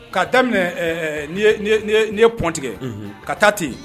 K'a daminɛ ye pɔɔn tigɛ ka taa ten yen